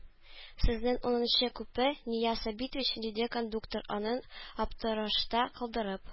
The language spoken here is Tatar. Сезнең унынчы купе, Нияз Сабитович, диде кондуктор, аны аптырашта калдырып.